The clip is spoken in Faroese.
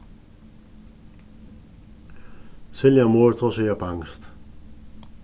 silja mohr tosar japanskt